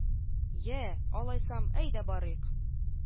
— йә, алайсам, әйдә барыйк